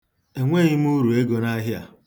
Enweghị m uruego n'ahịa.